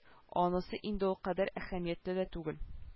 Анысы инде ул кадәр әһәмиятле дә түгел